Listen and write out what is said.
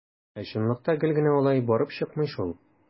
Ә чынлыкта гел генә алай барып чыкмый шул.